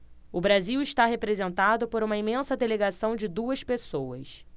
o brasil está representado por uma imensa delegação de duas pessoas